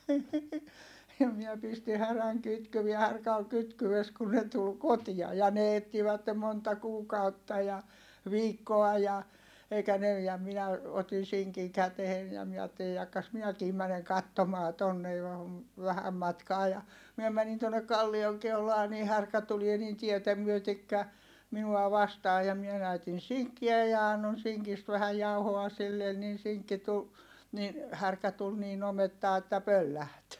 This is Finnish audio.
ja minä pistin härän kytkyet härkä oli kytkyessä kun ne tuli kotia ja ne etsivät monta kuukautta ja viikkoa ja eikä ne ja minä otin sinkin käteen ja minä ajattelin jahka minäkin menen katsomaan tuonne vähän matkaa ja minä menin tuonne kallion keulaan niin härkä tulee niin tietä myöten minua vastaan ja minä näytin sinkkiä ja annoin sinkistä vähän jauhoa sille niin sinkki tuli niin härkä tuli niin omettaan että pöllähti